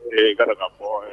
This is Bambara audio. O de ye ik'a dɔn k'a fɔ